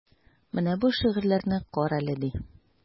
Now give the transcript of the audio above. Менә бу шигырьләрне карале, ди.